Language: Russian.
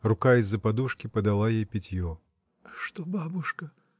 Рука из-за подушки подала ей питье. — Что бабушка?